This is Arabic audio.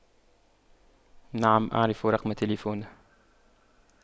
نعم اعرف رقم تلفونه